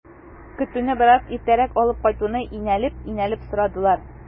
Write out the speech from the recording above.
Көтүне бераз иртәрәк алып кайтуны инәлеп-инәлеп сорадылар.